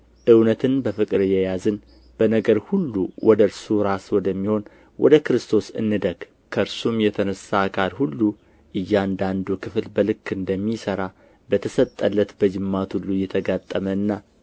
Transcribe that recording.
እውነትን በፍቅር እየያዝን በነገር ሁሉ ወደ እርሱ ራስ ወደሚሆን ወደ ክርስቶስ እንደግ ከእርሱም የተነሣ አካል ሁሉ እያንዳንዱ ክፍል በልክ እንደሚሠራ በተሰጠለት በጅማት ሁሉ እየተጋጠመና